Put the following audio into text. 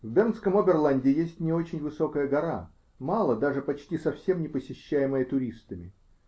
В бернском Оберланде есть не очень высокая гора, мало, даже почти совсем не посещаемая туристами.